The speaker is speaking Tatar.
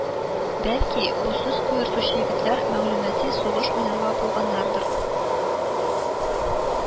Бәлки, бу сүз куертучы егетләр мәгълүмати сугыш уйнарга булганнардыр